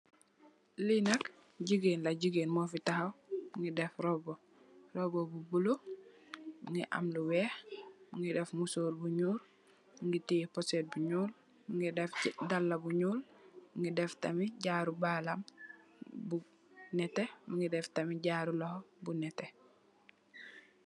Lenak jigeen la mu fi tahaw mugi sol roba bu bolo mugi am lu weyh mu def musor bu nglu mugi tay puset bu nglu mugi sol dala bu nglu mugi def tamit jaru baram bu nette mugi def tamit jaru luhu bu nette.